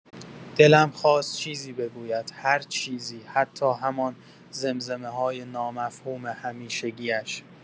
دلم خواست چیزی بگوید، هر چیزی، حتی همان زمزمه‌های نامفهوم همیشگی‌اش.